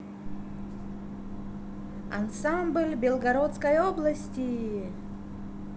ансамбль белгородской области